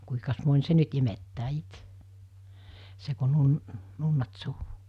kuinkas moni se nyt imettää itse se kun - nunnat suuhun